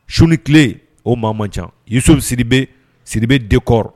Suni tile o maa ma casu siri bɛ siribe denkɔrɔ